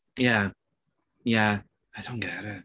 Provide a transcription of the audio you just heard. Ie ie I don't get it.